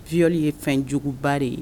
Viol ye fɛnjuguba de ye.